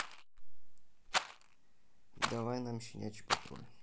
давай нам щенячий патруль